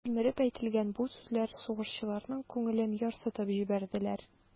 Тилмереп әйтелгән бу сүзләр сугышчыларның күңелен ярсытып җибәрделәр.